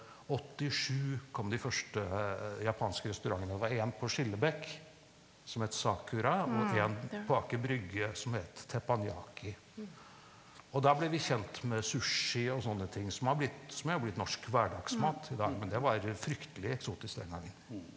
87 kom de første japanske restaurantene, og var en på Skillebekk som het Sakura og en på Aker brygge som het Teppanyaki, og da ble vi kjent med sushi og sånne ting som har blitt som jo har blitt norsk hverdagsmat i dag, men det var fryktelig eksotisk den gangen.